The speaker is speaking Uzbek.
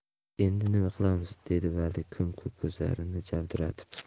endi nima qilamiz dedi vali ko'm ko'k ko'zlarini jovdiratib